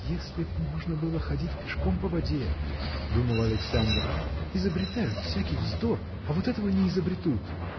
если б можно было ходить пешком по воде! – думал Александр – изобретают всякий вздор а вот этого не изобретут!